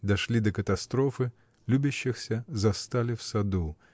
Дошли до катастрофы: любящихся застали в саду.